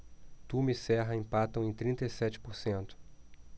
tuma e serra empatam em trinta e sete por cento